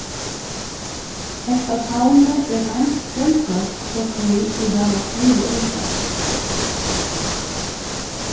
hetta savnið er eins fjølbroytt og tey ið hava skrivað í tað